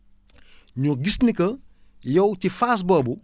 ñu gis ni que yow ci phase boobu